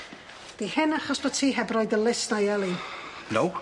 'Di hyn achos bo' ti heb roid y list 'na i Elin? No.